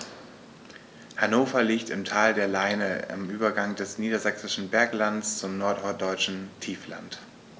Hannover liegt im Tal der Leine am Übergang des Niedersächsischen Berglands zum Norddeutschen Tiefland.